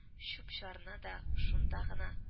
Чүп-чарны да шунда гына